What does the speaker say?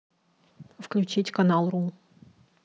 включить ру канал